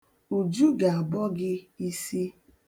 Uju ga-abọ gị isi.